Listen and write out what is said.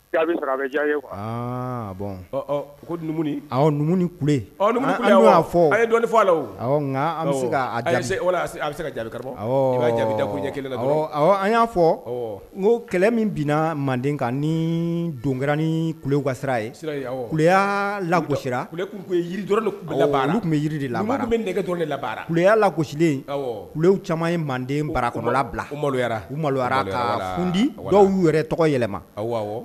Ko ku fɔjɛ an y'a fɔ n ko kɛlɛ min na manden kan ni don kɛra ni kule kasira ye kuya lagosi tun bɛ laya la kosilen caman ye manden barakɔla bila malo malo kundi dɔw yɛrɛ tɔgɔ yɛlɛma